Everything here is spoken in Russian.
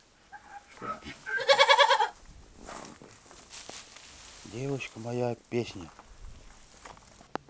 девочка моя песня